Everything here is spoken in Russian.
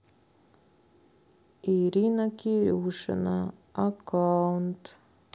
ирина кирюшина аккаунт